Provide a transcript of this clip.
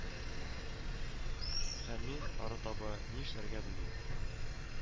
Һәм мин арытаба ни эшләргә белми